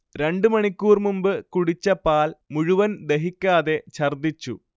രണ്ട് മണിക്കൂർ മുമ്പ് കുടിച്ച പാൽ മുഴുവൻ ദഹിക്കാതെ ഛർദ്ദിച്ചു